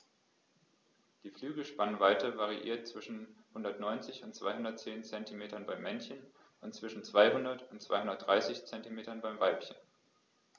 Die Flügelspannweite variiert zwischen 190 und 210 cm beim Männchen und zwischen 200 und 230 cm beim Weibchen.